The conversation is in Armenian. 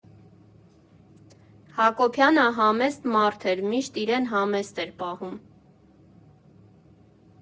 Հակոբյանը համեստ մարդ էր, միշտ իրեն համեստ էր պահում։